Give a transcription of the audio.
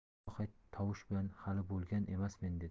loqayd tovush bilan hali bo'lgan emasmen dedi